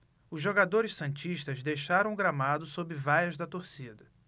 os jogadores santistas deixaram o gramado sob vaias da torcida